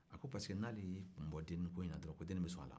a ko parce que n'ale y'i kun bɔ deni ko in na deni bɛ son a la